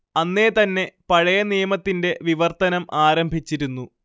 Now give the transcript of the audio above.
അന്നേ തന്നെ പഴയ നിയമത്തിന്റെ വിവർത്തനം ആരംഭിച്ചിരുന്നു